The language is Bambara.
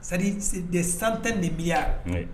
c'est à dire des centaines de milliards wayi.